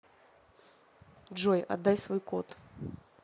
джой отдай свой код